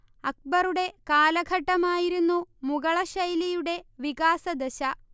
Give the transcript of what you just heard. അക്ബറുടെ കാലഘട്ടമായിരുന്നു മുഗളശൈലിയുടെ വികാസദശ